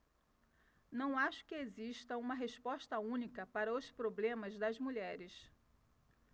não acho que exista uma resposta única para os problemas das mulheres